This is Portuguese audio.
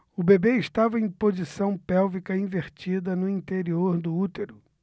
o bebê estava em posição pélvica invertida no interior do útero